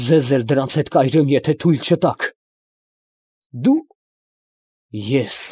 Ձեզ էլ դրանց հետ կայրեմ, եթե թույլ չտաք։ ֊ Դո՞ւ։ ֊ Ես։